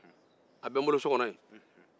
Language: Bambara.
a bɛ n bolo so kɔnɔ yen